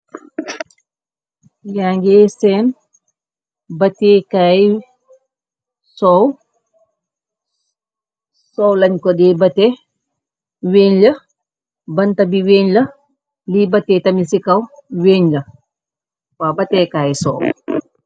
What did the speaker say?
Ya ngè senn batèkaay sow, sow leen ko dè batè. Wënn la banta bi wënn la, li ni batè tamit ci kaw wënn la, waw batèkaay sow.